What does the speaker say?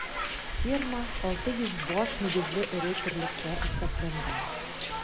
Ферма 600 баш мөгезле эре терлеккә исәпләнгән.